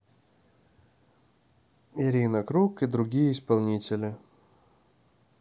ирина круг и другие исполнители